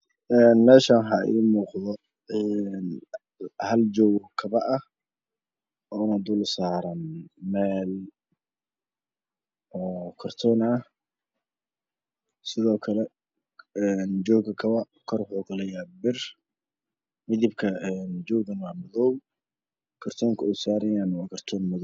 Een meeshaan waxaa ii muuqda een hal joog oo kabo ah oo dulsaaran meel oo kartoon ah sidoo kale een jooga kabaha kor wuxu ku lee yahay bir midabka een jooga waa madow kartoonka uu saranyahana waa kartoon madow